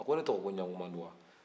a ko ne tɔgɔ ɲankumanduwa